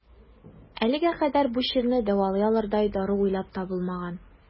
Әлегә кадәр бу чирне дәвалый алырдай дару уйлап табылмаган.